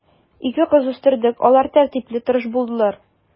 Ике кыз үстердек, алар тәртипле, тырыш булдылар.